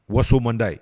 Waso man d'a ye